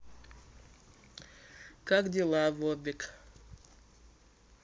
как дела бобик